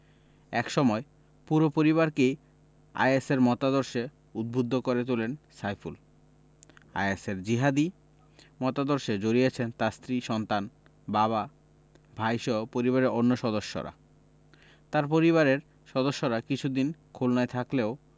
একসময় পুরো পরিবারকেই আইএসের মতাদর্শে উদ্বুদ্ধ করে তোলেন সাইফুল আইএসের জিহাদি মতাদর্শে জড়িয়েছেন তাঁর স্ত্রী সন্তান বাবা ভাইসহ পরিবারের অন্য সদস্যরা তাঁর পরিবারের সদস্যরা কিছুদিন খুলনায় থাকলেও